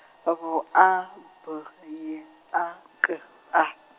V A B Y A K A.